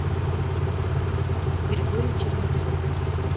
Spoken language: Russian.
григорий чернецов